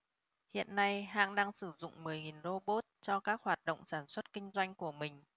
hiện nay hãng đang sử dụng mười nghìn robot cho các hoạt động sản xuất kinh doanh của mình